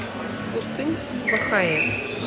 пустынь вхс